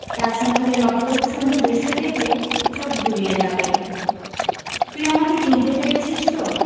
তাজমহলের অপরূপ সুন্দর দৃশ্য দেখলে চোখ জুড়িয়ে যাবে তুই আমাকে চিনতে পেরেছিস তো